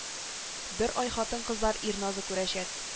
Бер ай хатын-кызлар ир назы күрәчәк